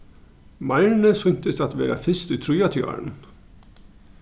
marni sýntist at vera fyrst í tríatiárunum